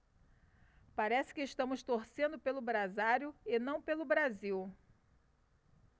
parece que estamos torcendo pelo brasário e não pelo brasil